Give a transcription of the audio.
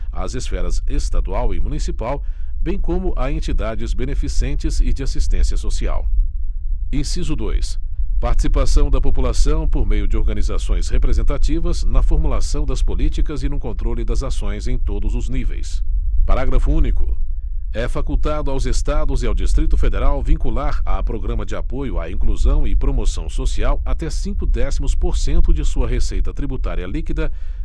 às esferas estadual e municipal bem como a entidades beneficentes e de assistência social inciso dois participação da população por meio de organizações representativas na formulação das políticas e no controle das ações em todos os níveis parágrafo único é facultado aos estados e ao distrito federal vincular a programa de apoio à inclusão e promoção social até cinco décimos por cento de sua receita tributária líquida